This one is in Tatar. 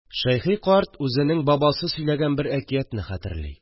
Шәйхи карт үзенең бабасы сөйләгән бер әкиятне хәтерли